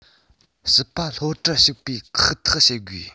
བྱིས པ སློབ གྲྭར ཞུགས པའི ཁག ཐེག བྱེད དགོས